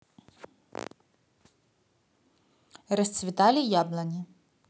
расцветали яблони